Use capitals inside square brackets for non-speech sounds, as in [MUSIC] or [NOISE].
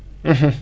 [HESITATION] [HESITATION]